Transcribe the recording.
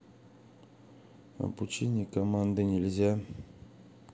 обучение команды нельзя